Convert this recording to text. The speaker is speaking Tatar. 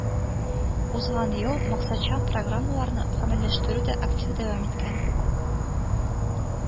Узган ел максатчан программаларны гамәлләштерү дә актив дәвам иткән